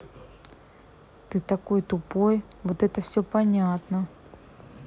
ты такой тупой вот это все понятно